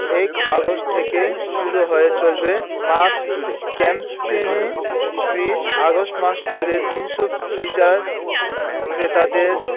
১ August থেকে শুরু হয়ে চলবে মাস জুড়ে ক্যাম্পেইনে ফ্রিজ আগস্ট মাস জুড়ে ৩০০ ফ্রিজার ক্রেতাদের